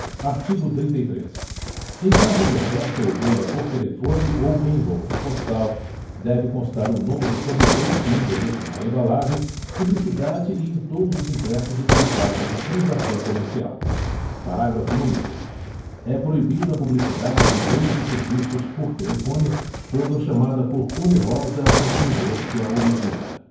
artigo trinta e três em caso de oferta ou venda por telefone ou reembolso postal deve constar o nome do fabricante e endereço na embalagem publicidade e em todos os impressos utilizados na transação comercial parágrafo único é proibida a publicidade de bens e serviços por telefone quando a chamada for onerosa ao consumidor que a origina